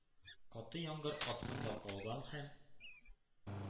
Каты яңгыр астында калган һәм,